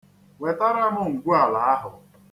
Wetara m ngwuala ahụ.